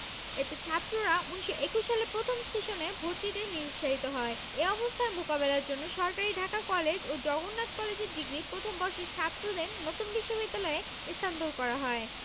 এতে ছাত্ররা ১৯২১ সালে প্রথম সেশনে ভর্তিতে নিরুৎসাহিত হয় এ অবস্থার মোকাবেলার জন্য সরকারি ঢাকা কলেজ ও জগন্নাথ কলেজের ডিগ্রি প্রথম বর্ষের ছাত্রদের নতুন বিশ্ববিদ্যালয়ে স্থানান্তর করা হয়